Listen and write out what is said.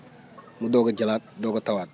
mu doog a jëlaat doog a tawaat